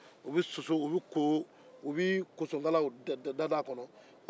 u bɛ kosowalaw da a kɔnɔ